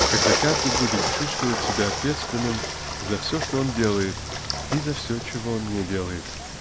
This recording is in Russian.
когда каждый будет чувствовать себя ответственным за все что он делает и за все чего он не делает.